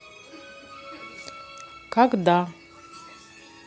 когда